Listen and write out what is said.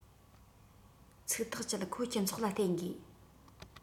ཚིག ཐག བཅད ཁོ སྤྱི ཚོགས ལ བརྟེན དགོས